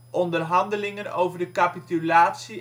onderhandelingen over de capitulatie